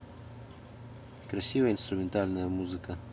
красивая инструментальная музыка